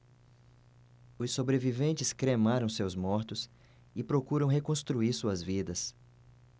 os sobreviventes cremaram seus mortos e procuram reconstruir suas vidas